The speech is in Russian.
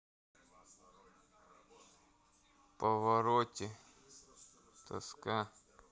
pavarotti тоска